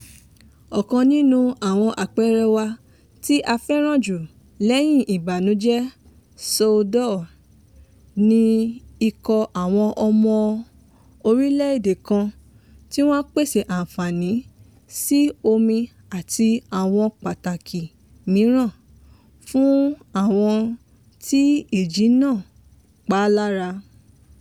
Ọ̀kan nínú àwọn àpẹẹrẹ wa tí a fẹ́ràn jù lẹ́yìn ìbànújẹ́ Soudelor ní ikọ̀ àwọn ọmọ orílẹ̀ èdè kan tí wọ́n pèsè àǹfààní sí omi àti àwọn pàtàkì míràn fún àwọn tí ìjì náà pa lára.